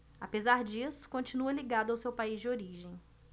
apesar disso continua ligado ao seu país de origem